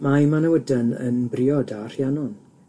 Mae Manawydan yn briod â Rhiannon,